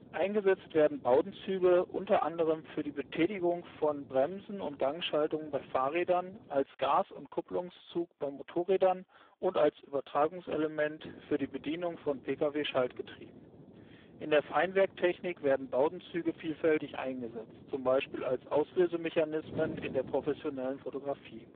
Eingesetzt werden Bowdenzüge unter anderem für die Betätigung von Bremsen und Gangschaltung bei Fahrrädern, als Gas - und Kupplungszug bei Motorrädern und als Übertragungselement für die Bedienung von Pkw-Schaltgetrieben. In der Feinwerktechnik werden Bowdenzüge vielfältig eingesetz, zum Beispiel als Auslösemechanismen in der professionellen Fotografie